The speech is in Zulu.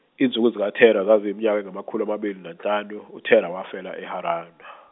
izinsuku zikaThera zaziyiminyaka engamakhulu amabili nanhlanu uThera wafela eHarana.